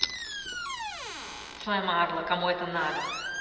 slam арло кому это надо